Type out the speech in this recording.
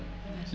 bien sûr